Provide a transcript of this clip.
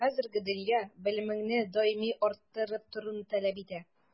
Хәзерге дөнья белемеңне даими арттырып торуны таләп итә.